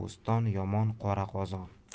bo'ston yomon qora qozon